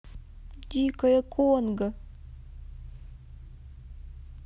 дикое конго